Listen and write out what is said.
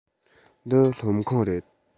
འདི སློབ ཁང རེད